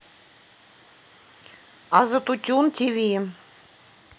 азатутюн тиви